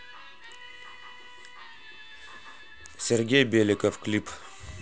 сергей беликов клип